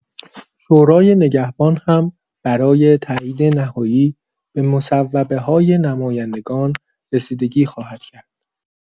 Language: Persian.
شورای نگهبان هم‌برای تایید نهایی به مصوبه‌های نمایندگان رسیدگی خواهد کرد.